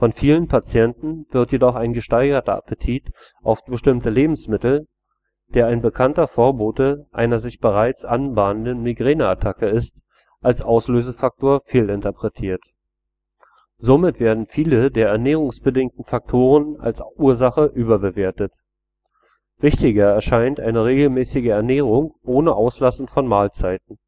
vielen Patienten wird jedoch ein gesteigerter Appetit auf bestimmte Lebensmittel, der ein bekannter Vorbote einer bereits sich anbahnenden Migräneattacke ist, als Auslösefaktor fehlinterpretiert. Somit werden viele der ernährungsbedingten Faktoren als Ursache überbewertet. Wichtiger erscheint eine regelmäßige Ernährung ohne Auslassen von Mahlzeiten